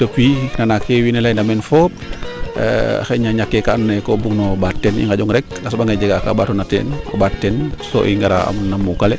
depuis na ke wiin we leya meen fop xayna ñake kaa ando naye koo bugno ɓaat teen i ŋanjong rek a soɓa ngaaye jega kaa ɓatoona teen o ɓaat teen so i ngara na muukale